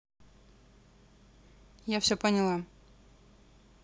я все поняла